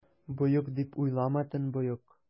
Боек, дип уйлама, төнбоек!